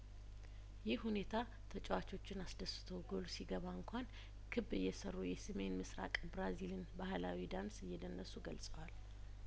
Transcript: ይህ ሁኔታ ተጫዋቾችን አስደስቶ ጐል ሲገባ እንኳን ክብ እየሰሩ የስሜን ምስራቅ ብራዚልን ባህላዊ ዳንስ እየደነሱ ገልጸዋል